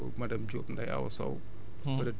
rawatina suñu délégué réginal